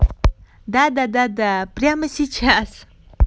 да да да да прямо сейчас